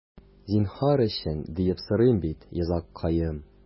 Зинһар өчен, диеп сорыйм бит, йозаккаем...